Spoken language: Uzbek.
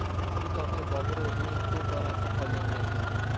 shu topda bobur o'zini ikki o't orasida qolganday sezdi